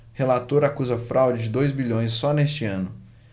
relator acusa fraude de dois bilhões só neste ano